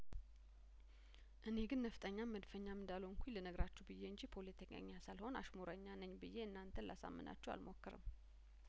እኔ ግን ነፍጠኛም መድፈኛም እንዳልሆኩኝ ልነግራችሁ ብዬ እንጂ ፖለቲከኛ ሳልሆን አሽሙረኛ ነኝ ብዬ እናንተን ላሳምናችሁ አልሞክርም